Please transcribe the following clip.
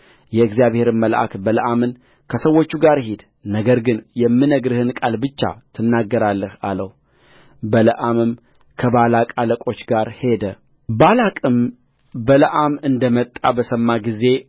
የእግዚአብሔርም መልአክ በለዓምን ከሰዎቹ ጋር ሂድ ነገር ግን የምናገርህን ቃል ብቻ ትናገራለህ አለው በለዓምም ከባላቅ አለቆች ጋር ሄደባላቅም በለዓም እንደ መጣ በሰማ ጊዜ